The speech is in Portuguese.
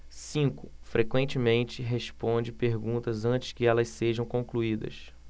cinco frequentemente responde perguntas antes que elas sejam concluídas